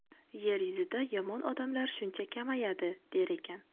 yer yuzida yomon odamlar shuncha kamayadi der ekan